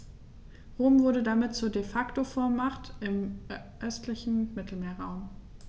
Rom wurde damit zur ‚De-Facto-Vormacht‘ im östlichen Mittelmeerraum.